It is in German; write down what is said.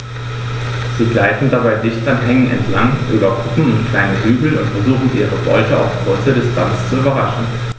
Sie gleiten dabei dicht an Hängen entlang, über Kuppen und kleine Hügel und versuchen ihre Beute auf kurze Distanz zu überraschen.